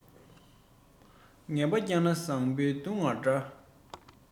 ངན པ བསྐྱངས ན བཟང པོ བརྡུངས པ འདྲ